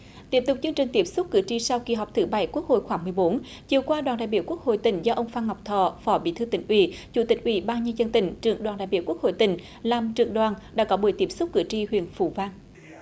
tiếp tục chương trình tiếp xúc cử tri sau kỳ họp thứ bảy quốc hội khóa mười bốn chiều qua đoàn đại biểu quốc hội tỉnh do ông phan ngọc thọ phó bí thư tỉnh ủy chủ tịch ủy ban nhân dân tỉnh trưởng đoàn đại biểu quốc hội tỉnh làm trưởng đoàn đã có buổi tiếp xúc cử tri huyện phú vang